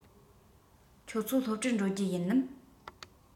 ཁྱོད ཚོ སློབ གྲྭར འགྲོ རྒྱུ ཡིན ནམ